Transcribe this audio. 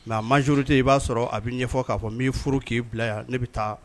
Nka majurute i b'a sɔrɔ a bɛ ɲɛfɔ k'a fɔ n'i furu k'i bila yan ne bɛ taa